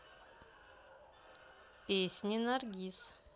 песни наргиз